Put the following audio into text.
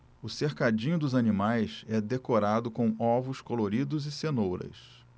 o cercadinho dos animais é decorado com ovos coloridos e cenouras